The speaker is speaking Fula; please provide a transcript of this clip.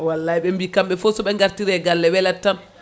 wallay ɓe mbi kamɓe foo soɓe gartire galle welat tan